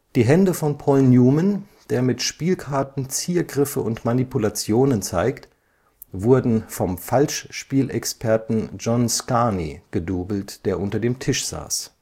Die Hände von Paul Newman, der mit Spielkarten Ziergriffe und Manipulationen zeigt, wurden vom Falschspielexperten John Scarne gedoubelt, der unter dem Tisch saß